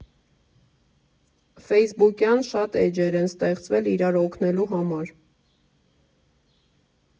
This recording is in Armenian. Ֆեյսբուքյան շատ էջեր են ստեղծվել իրար օգնելու համար։